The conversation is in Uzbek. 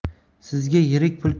sizga yirik pul